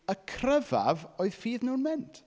y cryfaf oedd ffydd nhw'n mynd.